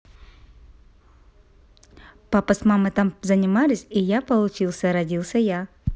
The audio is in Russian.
папа с мамой там занимались и я получился родился я